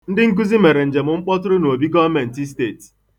Ndị nkụzi mere njemmkpọtụrụ n'obi gọọmentị steeti.